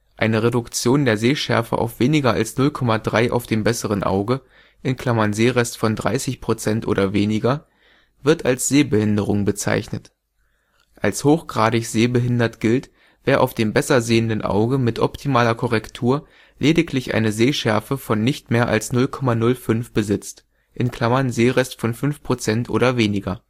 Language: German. Eine Reduktion der Sehschärfe auf weniger als 0,3 auf dem besseren Auge (Sehrest von 30 % oder weniger) wird als Sehbehinderung bezeichnet. Als hochgradig sehbehindert gilt, wer auf dem besser sehenden Auge mit optimaler Korrektur lediglich eine Sehschärfe von nicht mehr als 0,05 besitzt (Sehrest von 5 % oder weniger